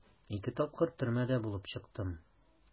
Ике тапкыр төрмәдә булып чыктым.